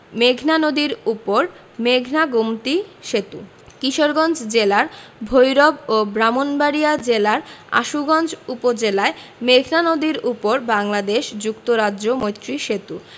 মেঘনা নদীর উপর মেঘনা গোমতী সেতু কিশোরগঞ্জ জেলার ভৈরব ও ব্রাহ্মণবাড়িয়া জেলার আশুগঞ্জ উপজেলায় মেঘনা নদীর উপর বাংলাদেশ যুক্তরাজ্য মৈত্রী সেতু